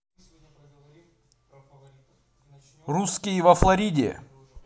русские во флориде